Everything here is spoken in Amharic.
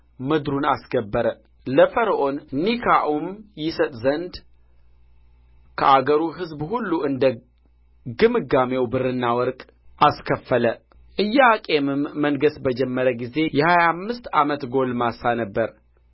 ምድሩን አስገበረ ለፈርዖን ኒካዑም ይሰጥ ዘንድ ከአገሩ ሕዝብ ሁሉ እንደ ግምጋሜው ብርና ወርቅ አስከፈለ ኢዮአቄምም መንገሥ በጀመረ ጊዜ የሀያ አምስት ዓመት ጕልማሳ ነበረ